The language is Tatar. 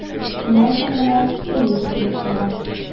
Шуннан соң гына «элита» килеп чыга...